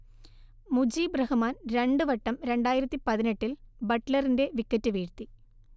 മുജീബ് റഹ്മാൻ രണ്ട് വട്ടം രണ്ടായിരത്തി പതിനെട്ടിൽ ബട്ട്ലറിന്റെ വിക്കറ്റ് വീഴ്ത്തി